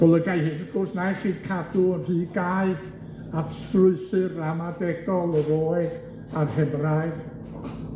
Golygai hyn, wrth gwrs, na ellid cadw yn rhy gaeth at strwythur ramadegol y Roeg a'r Hebraeg.